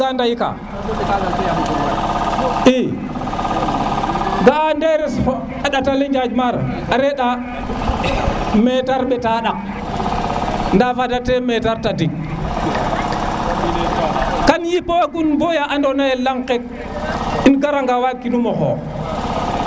i ga a nderes fa a ɗatale njaƴ maro a renda metar ɓeta ɗak nda fada te metar tadik kam yipo gun baya ando na ye lang ke um gara nga wa kinuma xoox um